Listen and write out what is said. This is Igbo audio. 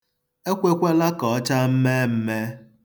Ekwekwala ka ọ chaa mmeemmee.